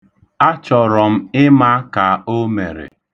Achọrọ m ịma ka o mere.